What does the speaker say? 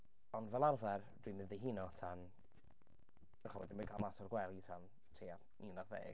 Ond fel arfer dwi'm yn ddihuno tan... dach chimod, dwi'm yn cael allan o'r gwely tan tua un ar ddeg.